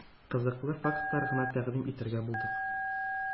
Кызыклы фактлар гына тәкъдим итәргә булдык.